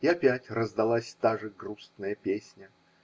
И опять раздалась та же грустная песня.